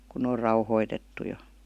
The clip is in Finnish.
kun ne on rauhoitettu jo